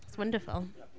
It's wonderful.